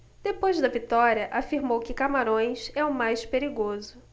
depois da vitória afirmou que camarões é o mais perigoso